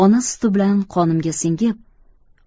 ona suti bilan qonimga singib